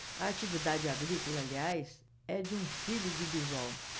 a atividade agrícola aliás é de um filho de bisol